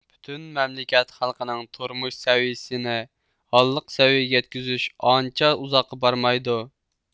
پۈتۈن مەملىكەت خەلقىنىڭ تۇرمۇش سەۋىيىسىنى ھاللىق سەۋىيىگە يەتكۈزۈش ئانچە ئۇزاققا بارمايدۇ